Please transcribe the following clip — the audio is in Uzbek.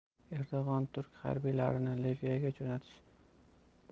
erdo'g'on turk harbiylarini liviyaga